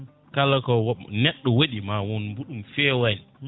kala ko neɗɗo waɗi ma won mo ɗum fewani